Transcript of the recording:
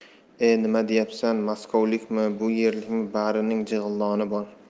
e nima deyapsan maskovlikmi bu yerlikmi barining jig'ildoni bor